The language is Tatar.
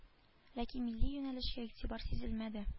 Ләкин милли юнәлешкә игътибар сизелмәде